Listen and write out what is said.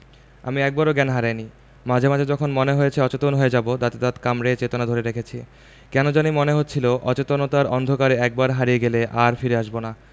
আমি একবারও জ্ঞান হারাইনি মাঝে মাঝে যখন মনে হয়েছে অচেতন হয়ে যাবো দাঁতে দাঁত কামড়ে চেতনা ধরে রেখেছি কেন জানি মনে হচ্ছিলো অচেতনতার অন্ধকারে একবার হারিয়ে গেলে আর ফিরে আসবো না